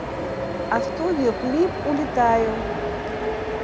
а студио клип улетаю